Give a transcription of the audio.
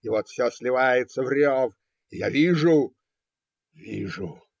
И вот все сливается в рев, и я вижу. Вижу